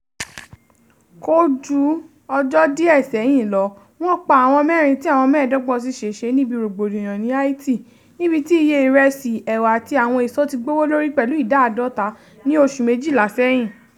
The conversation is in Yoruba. Kò ju ọjọ́ díẹ̀ sẹ́yìn lọ, wọ́n pa àwọn mẹ́rin tí àwọn 25 sì ṣèṣe níbi rògbòdìyàn ní Haiti, níbi tí iye ìrẹsì, ẹ̀wà, àti àwọn èso tí gbówó lórí pẹ̀lú 50% ní oṣù 12 sẹ́yìn.